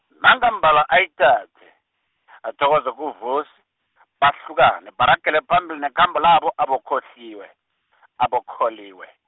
nangambala ayithathe, athokoze kuVusi, bahlukane, baragele phambili nekhambo labo, aboKholiwe, aboKholiwe.